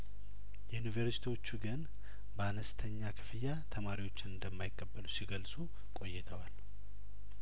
ዩኒቨርሲቲዎቹ ግን በአነስተኛ ክፍያ ተማሪዎችን እንደማይቀበሉ ሲገልጹ ቆይተዋል